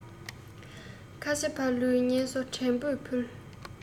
ཁ ཆེ ཕ ལུའི བསྙེལ གསོ དྲན པོས ཕུལ